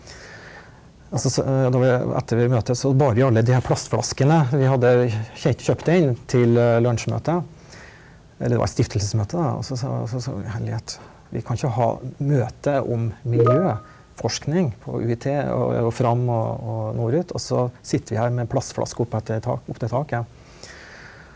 altså så etter det møtet så bar vi alle de her plastflaskene vi hadde kjøpt inn til lunsjmøtet eller det var et stiftelsesmøte da altså så så så vi herlighet vi kan ikke ha møte om miljøforskning på UiT og og Fram og og Norut og så sitter vi her med plastflasker oppetter tak opp til taket.